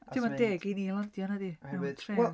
'Di o'm yn deg i ni landio nadi?... oherwydd. ...mewn tre...